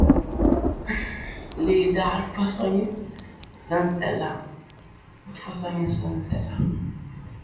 li daal fasoni sancella. fasoni sancella.